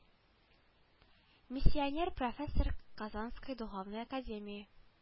Миссионер профессор казанской духовной академии